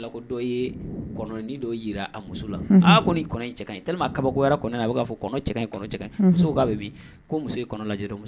Kabako wɛrɛ b'a fɔ muso'a bɛ muso lajɛ